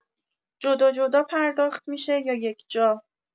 جدا جدا پرداخت می‌شه یا یکجا؟